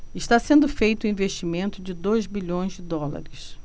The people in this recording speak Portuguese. está sendo feito um investimento de dois bilhões de dólares